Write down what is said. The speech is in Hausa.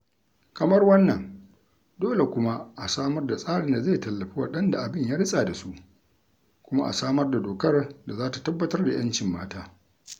Kamar wannan, dole kuma a samar da tsarin da zai tallafi waɗanda abin ya ritsa da su kuma a samar da dokar da za ta tabbatar da 'yancin mata.